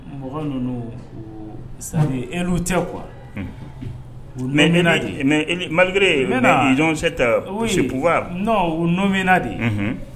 E tɛ qu malirejɔn cɛ ta sepba n numuna de